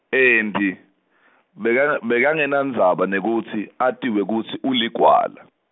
Andy , bekaka- bekanganendzaba nekutsi atiwe kutsi uligwala.